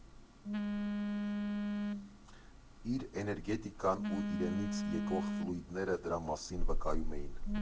Իր էներգետիկան ու իրենից եկող ֆլուիդները դրա մասին վկայում էին։